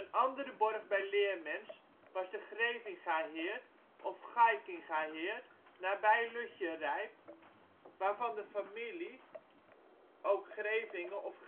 andere borg bij Leermens was de Grevingaheerd (of Gaikingaheerd) nabij Lutjerijp, waarvan de familie (ook Grevinge of Grevinck